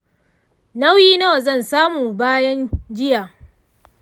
nauyi nawa zan samu bayan jiyya?